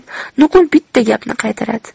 nuqul bitta gapni qaytaradi